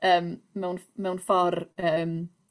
yym mewn mewn ffor yym